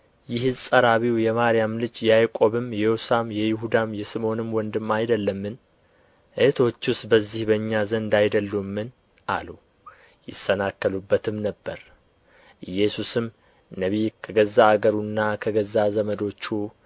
ይህስ ጸራቢው የማርያም ልጅ የያቆብም የዮሳም የይሁዳም የስምዖንም ወንድም አይደለምን እኅቶቹስ በዚህ በእኛ ዘንድ አይደሉምን አሉ ይሰናከሉበትም ነበር ኢየሱስም ነቢይ ከገዛ አገሩና ከገዛ ዘመዶቹ